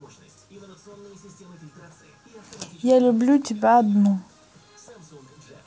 я люблю тебя одну